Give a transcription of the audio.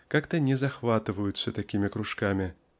, как-то не захватываются такими кружками.